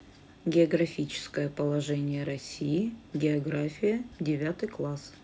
географическое положение россии география девятый класс